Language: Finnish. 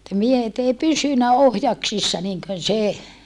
ne miehet ei pysynyt ohjaksissa niin kuin se